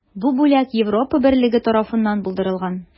Бу бүләк Европа берлеге тарафыннан булдырылган.